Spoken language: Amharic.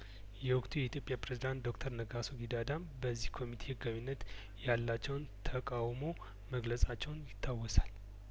የወቅቱ የኢትዮጵያ ፕሬዝዳንት ዶክተር ነጋሶ ጊዳዳም በዚህ ኮሚቴ ህጋዊነት ያላቸውን ተቃውሞ መግለጻቸውን ይታወሳል